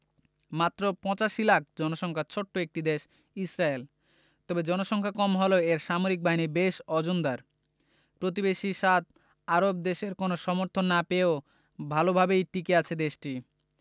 মাত্র ৮৫ লাখ জনসংখ্যার ছোট্ট একটি দেশ ইসরায়েল তবে জনসংখ্যা কম হলেও এর সামরিক বাহিনী বেশ ওজনদার প্রতিবেশী সাত আরব দেশের কোনো সমর্থন না পেয়েও ভালোভাবেই টিকে আছে দেশটি